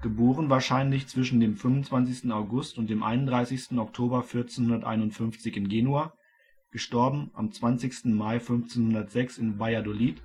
* wahrscheinlich zwischen dem 25. August und dem 31. Oktober 1451 in Genua; † 20. Mai 1506 in Valladolid)